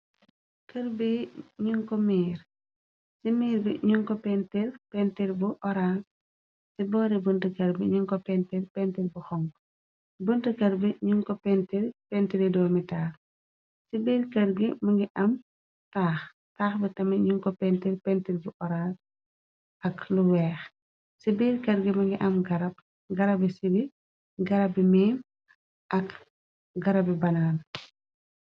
kër bi ñu ko miir ci miir bi ñuñ ko pentir Pentir bu oral ci boori buntkër bi ñuñ ko pentir pentir bu xong buntkar bi ñun ko pentir pentiri do mitaal ci biir kët gi më ngi am taax taax bi tami ñuñ ko pentir pentir bu horal ak lu weex ci biir kët gi mëngi am garab gara bi si bi gara bi miim ak garabi banaan